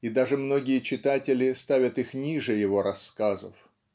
И даже многие читатели ставят их ниже его рассказов.